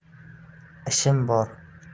ishim bor